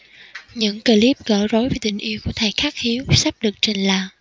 những clip gỡ rối về tình yêu của thầy khắc hiếu sắp được trình làng